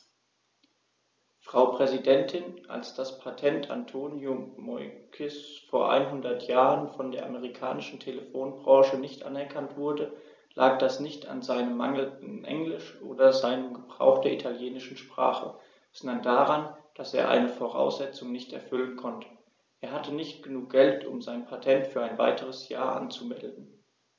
Frau Präsidentin, als das Patent Antonio Meuccis vor einhundert Jahren von der amerikanischen Telefonbranche nicht anerkannt wurde, lag das nicht an seinem mangelnden Englisch oder seinem Gebrauch der italienischen Sprache, sondern daran, dass er eine Voraussetzung nicht erfüllen konnte: Er hatte nicht genug Geld, um sein Patent für ein weiteres Jahr anzumelden.